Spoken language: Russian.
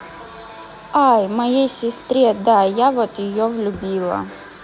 i моей сестре да я вот ее влюбила